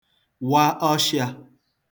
wa ọshịā